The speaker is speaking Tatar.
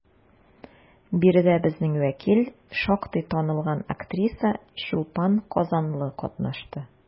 Биредә безнең вәкил, шактый танылган актриса Чулпан Казанлы катнашты.